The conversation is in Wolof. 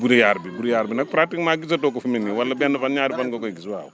brouillard bi brouillard bi nag pratiquement gisatoo ko fi mu ne nii wala benn fan ñaari fan nga koy gis waaw